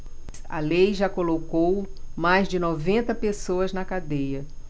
a lei já colocou mais de noventa pessoas na cadeia